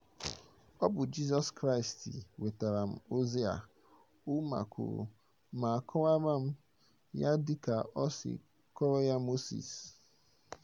Ọ bụ Jisọs Kraịstị wetara m ozi a, Ouma kwuru , ma kọwaara m ya dị ka o si kọọrọ ya Mosis.